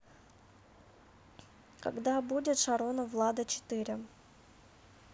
когда будет шаронов влада четыре